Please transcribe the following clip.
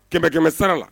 Kɛmɛ kɛmɛ sira la